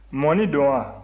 mɔni don wa